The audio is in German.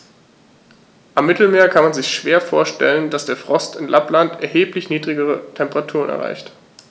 Am Mittelmeer kann man sich schwer vorstellen, dass der Frost in Lappland erheblich niedrigere Temperaturen erreicht.